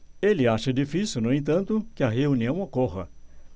ele acha difícil no entanto que a reunião ocorra